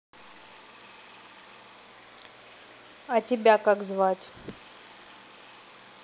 а тебя как звать